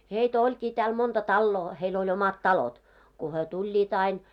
heitä olikin täällä monta taloa heillä oli omat talot kun he tulivat aina